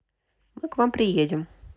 мы к вам приедем